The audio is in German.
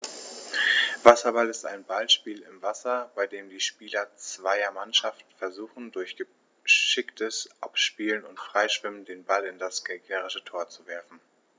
Wasserball ist ein Ballspiel im Wasser, bei dem die Spieler zweier Mannschaften versuchen, durch geschicktes Abspielen und Freischwimmen den Ball in das gegnerische Tor zu werfen.